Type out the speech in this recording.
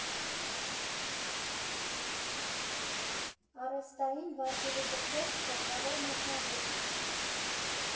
Առևստային վարկերի գծով գլխավոր մասնագետ։